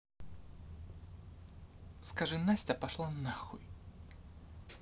скажи настя пошла нахуй